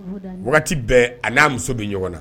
Bɛɛ a n'a muso bɛ ɲɔgɔn na